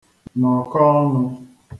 nọkọọ ọnụ